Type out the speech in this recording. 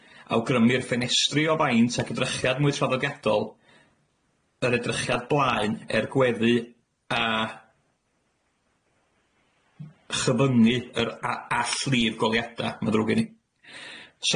Awgrymir ffenestri o faint ag edrychiad mwy traddodiadol, yr edrychiad blaen, er gweddu a, chyfyngu yr a- all-lif goleuada', ma'n ddrwg gin i.